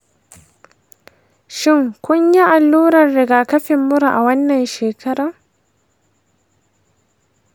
shin kun yi allurar rigakafin mura a wannan shekarar?